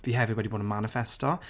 Fi hefyd wedi bod yn maniffesto.